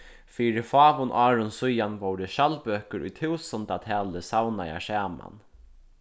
fyri fáum árum síðan vóru skjaldbøkur í túsundatali savnaðar saman